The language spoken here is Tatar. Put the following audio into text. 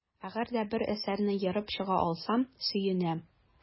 Әгәр дә бер әсәрне ерып чыга алсам, сөенәм.